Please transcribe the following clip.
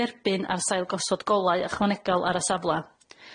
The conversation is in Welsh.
dderbyn ar sail gosod golau ychwanegol ar y safla.